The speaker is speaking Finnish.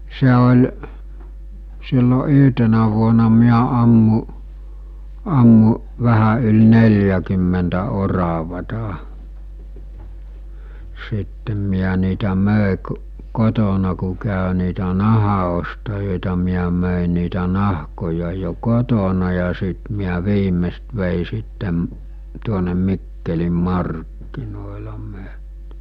se oli silloin yhtenä vuonna minä ammuin ammuin vähän yli neljäkymmentä oravaa sitten minä niitä myin kun kotona kun kävi niitä nahanostajia minä myin niitä nahkoja jo kotona ja sitten minä viimeksi vein sitten tuonne Mikkelin markkinoilla myin